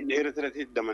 Ne yɛrɛ taara tɛ da